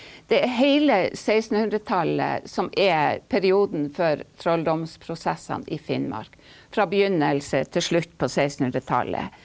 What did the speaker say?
det er heile sekstenhundretallet som er perioden for trolldomsprosessene i Finnmark, fra begynnelse til slutt på sekstenhundretallet.